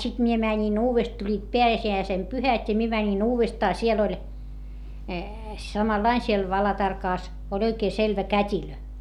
sitten minä menin - tulivat pääsiäisen pyhät ja minä menin uudestaan siellä oli samanlainen siellä Valatarkassa oli oikein selvä kätilö